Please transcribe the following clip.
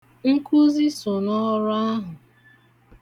Nkụzi so n'ọrụ ahụ.